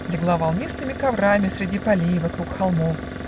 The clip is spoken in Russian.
Легла волнистыми коврами Среди полей, вокруг холмов